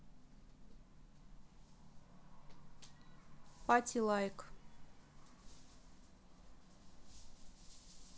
party like